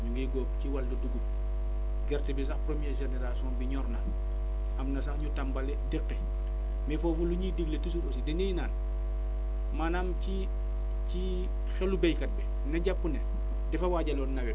ñu ngi góob ci wàllu dugub gerte bi sax première génération bi ñor na am na sax ñu tàmbale deqi mais foofu li ñuy digle toujours aussi dañuy naan maanaam ci ci xelu béykat bi na jàpp ne dafa waajaloon nawet